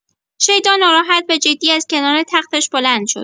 شیدا ناراحت و جدی از کنار تختش بلند شد.